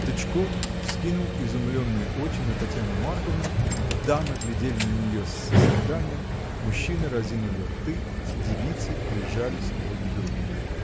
Тычков вскинул изумленные очи на Татьяну Марковну, дамы глядели на нее с состраданием, мужчины разинули рты, девицы прижались друг к другу.